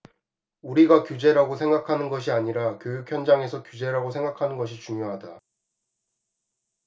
우리가 규제라고 생각하는 것이 아니라 교육 현장에서 규제라고 생각하는 것이 중요하다